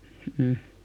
mm